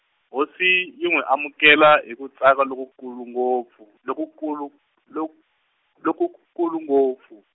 hosi yi u amukela hi ku tsaka loku kulu ngopfu, loku kulu lok-, loku kulu ngopfu.